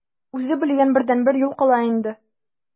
Үзе белгән бердәнбер юл кала инде.